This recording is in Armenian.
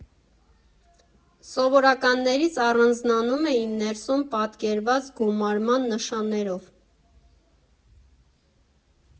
Սովորականներից առանձնանում էին ներսում պատկերված գումարման նշաններով։